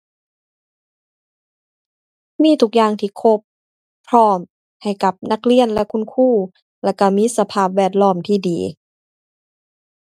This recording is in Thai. มีทุกอย่างที่ครบ พร้อมให้กับนักเรียนและคุณครู แล้วก็มีสภาพแวดล้อมที่ดี